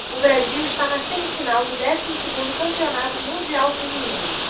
o brasil está na semifinal do décimo segundo campeonato mundial feminino